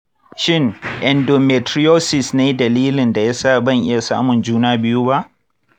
shin endometriosis ne dalilin da ya sa ban iya samun juna biyu ba?